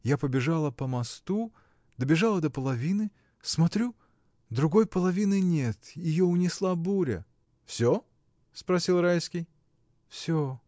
Я побежала по мосту, — добежала до половины: смотрю, другой половины нет, ее унесла буря. — Всё? — спросил Райский. — Всё.